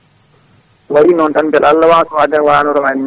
so waɗi noon beele Allah wasa waade no wano rawande ni